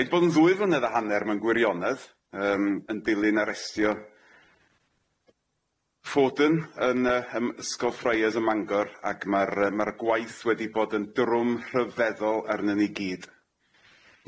Ma'i 'di bod yn ddwy flynedd a hanner mewn gwirionedd yym yn dilyn arestio Foden yn yy yym ysgol Friars ym Mangor ac ma'r yy ma'r gwaith wedi bod yn drwm rhyfeddol arnon ni gyd.